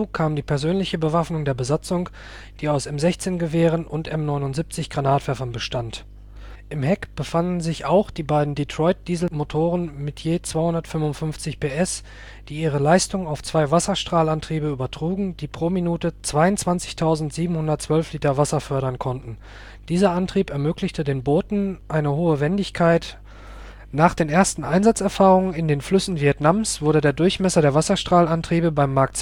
kam die persönliche Bewaffnung der Besatzung, die aus M16-Gewehren und M79-Granatwerfern bestand. Im Heck befanden sich auch die beiden Detroit-Dieselmotoren mit je 255 PS, die ihre Leistung auf 2 Wasserstrahlantriebe übertrugen, die pro Minute 22.712 Liter Wasser fördern konnten. Dieser Antrieb ermöglichte den Booten eine hohe Wendigkeit. Nach den ersten Einsatzerfahrungen in den Flüssen Vietnams wurde der Durchmesser der Wasserstrahlantriebe beim Mark